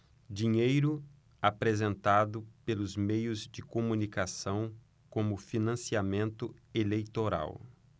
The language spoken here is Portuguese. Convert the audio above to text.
dinheiro apresentado pelos meios de comunicação como financiamento eleitoral